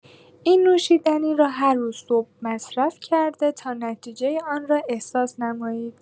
این نوشیدنی را هر روز صبح مصرف کرده تا نتیجه آن را احساس نمایید.